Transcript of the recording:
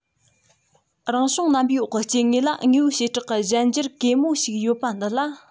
རང བྱུང རྣམ པའི འོག གི སྐྱེ དངོས ལ དངོས པོའི བྱེ བྲག གི གཞན འགྱུར གེ མོ ཞིག ཡོད པ འདི ལ